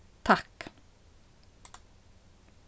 takk